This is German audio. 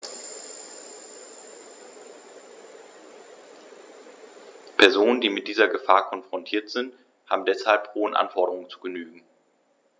Personen, die mit dieser Gefahr konfrontiert sind, haben deshalb hohen Anforderungen zu genügen.